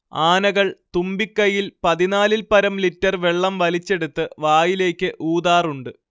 ആനകൾ തുമ്പിക്കൈയിൽ പതിനാലിൽപ്പരം ലിറ്റർ വെള്ളം വലിച്ചെടുത്ത് വായിലേക്ക് ഊതാറുണ്ട്